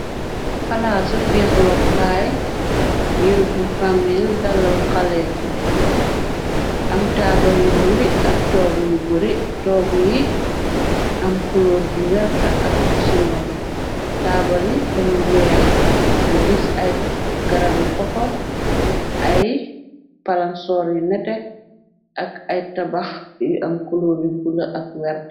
Palaasu feexlookaay yob bu famil dalal xaley am taabal yu bari ak togg yu bari togg yi am kuloor bu wert ak bu singom taabal yi lañ weex lu gis ay garabi koko ay palansoor yi nete ak ay tabax yu am kuloor yu bula ak werte.